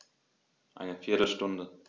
Eine viertel Stunde